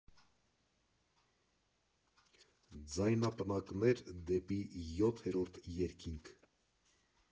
Ձայնապնակներ դեպի յոթերորդ երկինք։